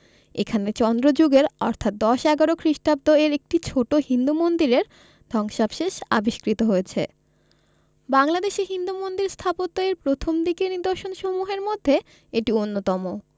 এখানে চন্দ্র যুগের অর্থাৎ দশ এগারো খ্রিস্টাব্দ এর একটি ছোট হিন্দু মন্দিরের ধ্বংশাবশেষ আবিষ্কৃত হয়েছে বাংলাদেশে হিন্দু মন্দির স্থাপত্য এর প্রথমদিকের নিদর্শনসমূহের মধ্যে এটি অন্যতম